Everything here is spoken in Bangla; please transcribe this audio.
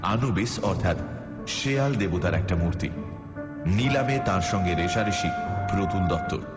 আনুবিস অর্থাৎ শেয়াল দেবতার একটা মুর্তি নিলামে তার সঙ্গে রেষারেষি প্রতুল দত্তর